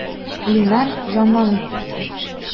Линар җанланып китте.